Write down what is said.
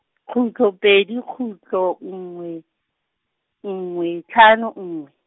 khutlo pedi khutlo nngwe, nngwe tlhano nngwe.